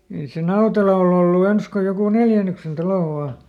ei se Nautela ole ollut ensin kuin joku neljännyksen talo vain